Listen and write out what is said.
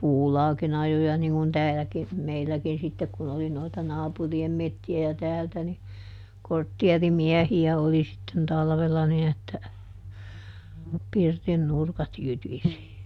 puulaakin ajoja niin kuin täälläkin meilläkin sitten kun oli noita naapurien metsiä ja täältä niin kortteerimiehiä oli sitten talvella niin että pirtin nurkat jytisi